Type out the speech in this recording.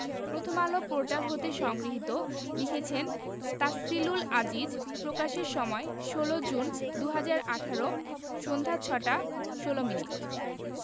Prothom Alo portal হতে সংগৃহীত লিখেছেন তাফসিলুল আজিজ প্রকাশের সময় ১৬জুন ২০১৮ সন্ধ্যা ৬টা ১৬ মিনিট আন্তর্জাতিক সংবাদ